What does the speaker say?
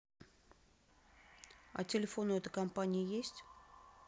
а телефон у этой компании есть